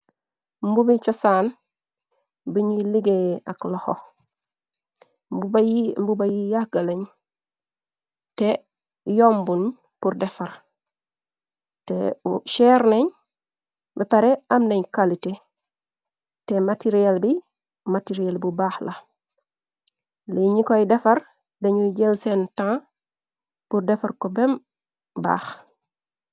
Mbubi chosaan bi ñuy liggéey ak loxo mbuba yi yàggalañ te yombuñ bur defar te cheer nañ bepare am nañ kalite te matariyel bi matarieel bu baax la li ñi koy defar dañuy jël seen tan bur defar ko bem baax.